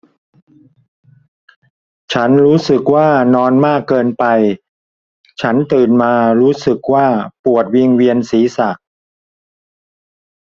ฉันรู้สึกว่านอนมากเกินไปฉันตื่นมารู้สึกว่าปวดวิงเวียนศีรษะ